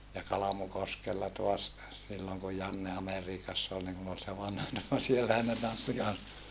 ja Kalmukoskella taas silloin kun Janne Amerikassa oli niin kun oli se vanha niin no siellähän ne tanssi kanssa